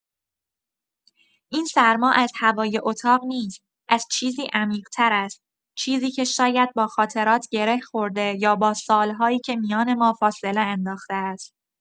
این سرما از هوای اتاق نیست، از چیزی عمیق‌تر است، چیزی که شاید با خاطرات گره خورده یا با سال‌هایی که میان ما فاصله انداخته است.